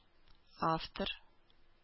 Автор